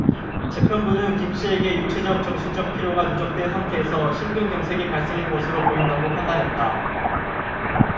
재판부는 김씨에게 육체적 정신적 피로가 누적된 상태에서 심근경색이 발생한 것으로 보인다고 판단했다